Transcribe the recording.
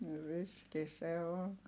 niin riski se on